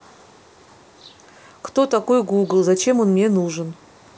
кто такой google зачем он мне нужен